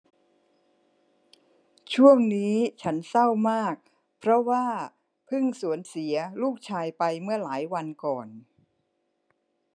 ช่วงนี้ฉันเศร้ามากเพราะว่าพึ่งสูญเสียลูกชายไปเมื่อหลายวันก่อน